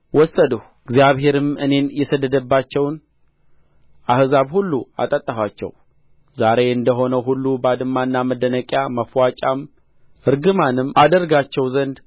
ወሰድሁ እግዚአብሔርም እኔን የሰደደባቸውን አሕዛብ ሁሉ አጠጣኋቸው ዛሬ እንደ ሆነው ሁሉ ባድማና መደነቂያ ማፍዋጫም እርግማንም አደርጋቸው ዘንድ